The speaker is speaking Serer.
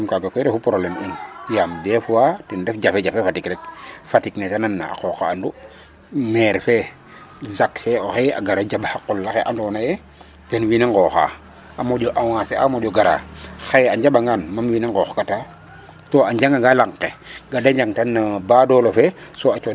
Kaaga koy ref problème in yaam dés fois ten ref jafe jafe Fatick rek Fatick ne ta nandna a qooq a andu maire fe zac fe oxey a jaɓ qol axe andoona ye ten wiin we nqooxaa a moƴo avancer a a moƴo ngaraa xaye a njaɓangaan mam wiin a nqooxkataa to a njaŋangaa lang ka ka da njangtan no baadoola fe so a.